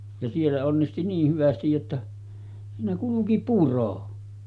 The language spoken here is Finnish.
ja siellä onnisti niin hyvästi jotta siinä kulki puro